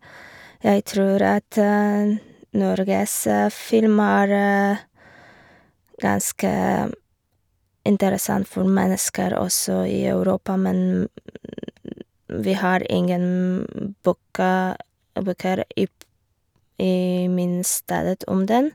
Jeg tror at Norges film er ganske interessant for mennesker også i Europa, men vi har ingen boka bøker i p i min stedet om den.